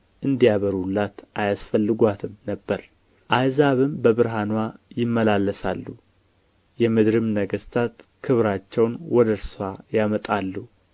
እንዲያበሩላት አያስፈልጓትም ነበር አሕዛብም በብርሃንዋ ይመላለሳሉ የምድርም ነገሥታት ክብራቸውን ወደ እርስዋ ያመጣሉ